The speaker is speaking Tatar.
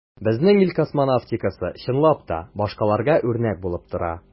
Безнең ил космонавтикасы, чынлап та, башкаларга үрнәк булып тора.